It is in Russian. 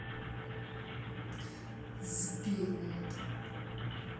забей на это